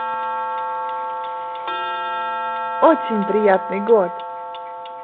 очень приятный год